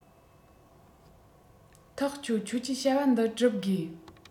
ཐག ཆོད ཁྱོད ཀྱིས བྱ བ འདི སྒྲུབ དགོས